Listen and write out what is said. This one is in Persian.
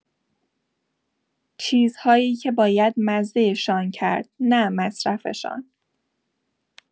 چیزهایی که باید مزه‌شان کرد، نه مصرفشان.